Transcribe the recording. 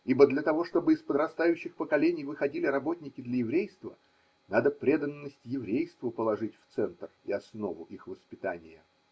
Ибо для того, чтобы из подрастающих поколений выходили работники для еврейства, надо преданность еврейству положить в центр и основу их воспитания.